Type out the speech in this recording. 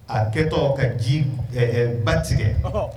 A kɛtɔ ka ji, ɛɛ ba tigɛ. Ɔnhɔn.